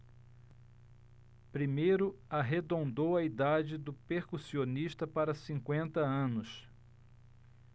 primeiro arredondou a idade do percussionista para cinquenta anos